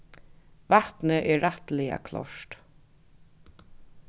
vatnið er rættiliga klárt